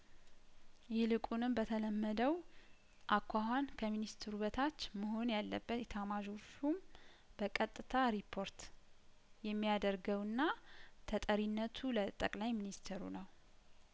ይልቁንም በተለመደው አኳኋን ከሚኒስትሩ በታች መሆን ያለበት ኤታማዦር ሹም በቀጥታ ሪፖርት የሚያደርገውና ተጠሪነቱ ለጠቅላይ ሚኒስትሩ ነው